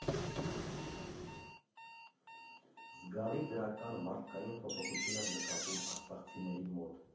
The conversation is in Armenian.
Զգալի դրական մարդկային փոփոխություն եմ նկատում արցախցիների մոտ։